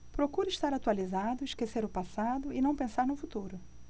procuro estar atualizado esquecer o passado e não pensar no futuro